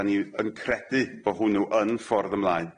'Dan ni yn credu bo hwnnw yn ffordd ymlaen.